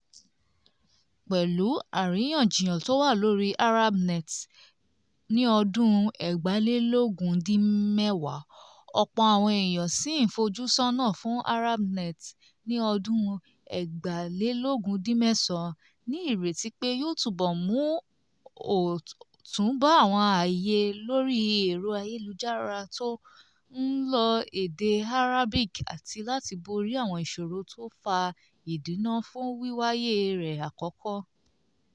Pẹ̀lu àríyànjiyàn tó wà lórí ArabNet 2010, ọ̀pọ̀ àwọn eèyàn ṣì ń fojúsọ́nà fún ArabNet 2011 ní ìrètí pé yóò túbọ̀ mú ọ̀tun bá àwọn aàyè lórí ẹ̀rọ ayélujárató ń lo èdè Arabic àti láti borí àwọn ìṣòro tó fa ìdínà fún wíwáyé rẹ̀ àkọ́kọ́.